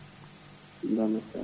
*